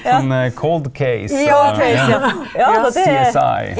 en .